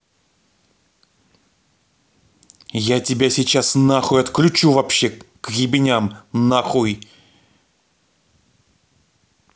я тебя сейчас нахуй отключу вообще к ебеням нахуй